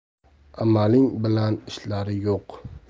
amaling bilan ishlari yo'q